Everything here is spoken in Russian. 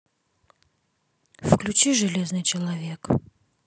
включи железный человек